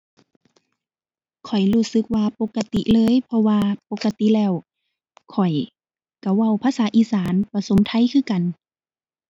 ข้อยรู้สึกว่าปกติเลย เพราะว่าปกติแล้วข้อยก็เว้าภาษาอีสานผสมไทยคือกัน